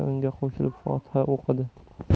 unga qo'shilib fotiha o'qidi